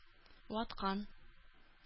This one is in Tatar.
Ваткан